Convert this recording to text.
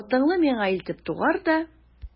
Атыңны миңа илтеп тугар да...